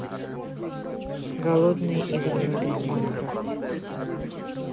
голодные игры нубик в майнкрафте